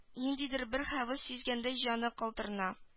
Ниндидер бер хәвеф сизгәндәй җаны калтырана